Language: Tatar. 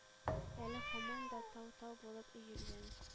Әле һаман да тау-тау булып өелгән